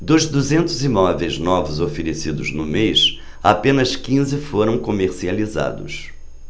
dos duzentos imóveis novos oferecidos no mês apenas quinze foram comercializados